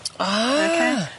O! Oce.